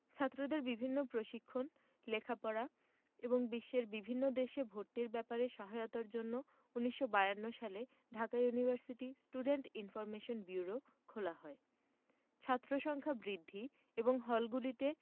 ছাত্রদের বিভিন্ন প্রশিক্ষণ লেখাপড়া এবং বিশ্বের বিভিন্ন দেশে ভর্তির ব্যাপারে সহায়তার জন্য ১৯৫২ সালে Dhaka university student information bureau খোলা হয় ছাত্রসংখ্যা বৃদ্ধি এবং হলগুলিতে